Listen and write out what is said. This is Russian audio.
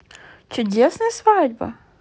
чудесная свадьба